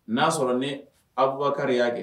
N'a'a sɔrɔ ne awbukari yya kɛ